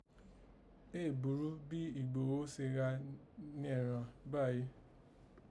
Èé búrú bí Ìgbòho se gha nẹ̀gbàn bà yìí